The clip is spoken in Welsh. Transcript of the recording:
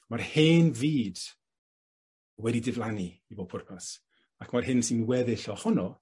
Ma'r hen fyd wedi diflannu i bob pwrpas, ac mae'r hyn sy'n weddill ohono